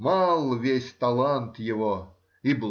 Мал весь талант его и.